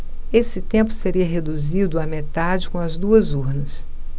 esse tempo seria reduzido à metade com as duas urnas